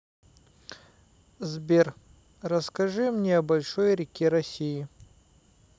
сбер расскажи мне о большой реке россии